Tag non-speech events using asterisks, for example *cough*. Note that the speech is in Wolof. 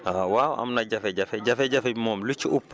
*hesitation* *hesitation* waaw am na jafe-jafe jafe-jafe bi moom lu ci ëpp